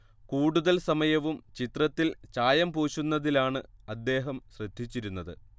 കൂടുതൽ സമയവും ചിത്രത്തിൽ ചായം പൂശുന്നതിലാണ് അദ്ദേഹം ശ്രദ്ധിച്ചിരുന്നത്